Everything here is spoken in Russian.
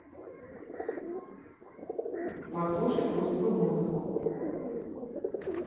послушать русскую музыку